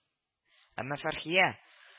Әмма Фәрхия